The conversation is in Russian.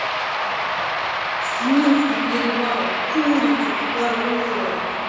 семинский перевал курица тупорылая